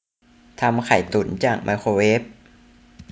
ทำไข่ตุ๋นจากไมโครเวฟ